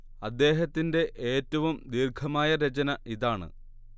അദ്ദേഹത്തിന്റെ ഏറ്റവും ദീർഘമായ രചന ഇതാണ്